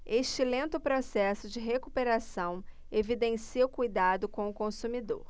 este lento processo de recuperação evidencia o cuidado com o consumidor